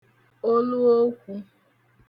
olu okwū